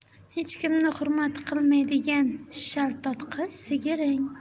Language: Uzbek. hech kimni hurmat qilmaydigan shaltoq qiz sigiring